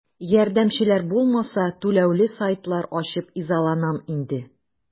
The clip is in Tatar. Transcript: Ярдәмчеләр булмаса, түләүле сайтлар ачып изаланмам инде.